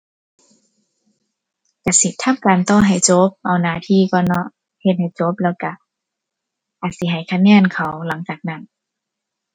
ก็สิทำการต่อให้จบ เอาหน้าที่ก่อนเนาะ เฮ็ดให้จบ แล้วก็อาจสิให้คะแนนเขาหลังจากนั้น